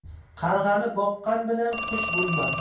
qarg'ani boqqan bilan qush bo'lmas